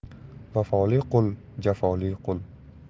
vafoli qul jafoli qul